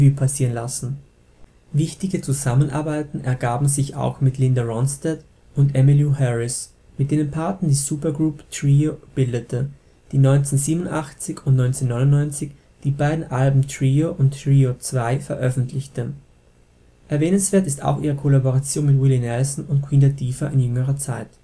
passieren lassen. Wichtige Zusammenarbeiten ergaben sich auch mit Linda Ronstadt und Emmylou Harris, mit denen Parton die Supergroup Trio bildete, die 1987 und 1999 die beiden Alben Trio und Trio II veröffentlichte. Erwähnenswert ist auch ihre Kollaboration mit Willie Nelson und Queen Latifah in jüngerer Zeit